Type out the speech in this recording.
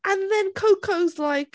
And then Coco's like...